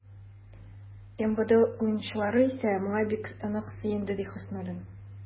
МВД уенчылары исә, моңа бик нык сөенде, ди Хөснуллин.